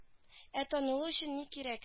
Ә танылу өчен ни кирәк